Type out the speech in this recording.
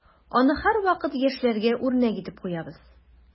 Аны һәрвакыт яшьләргә үрнәк итеп куябыз.